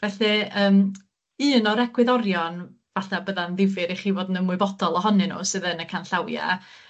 Felly yym, un o'r egwyddorion, falle bydda'n ddifyr i chi fod yn ymwybodol ohonyn nw sydd yn y canllawia